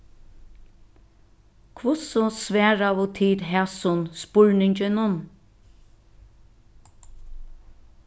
hvussu svaraðu tit hasum spurninginum